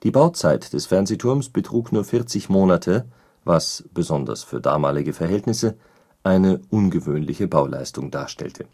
Bauzeit des Fernsehturms betrug nur 40 Monate, was, besonders für damalige Verhältnisse, eine ungewöhnliche Bauleistung darstellte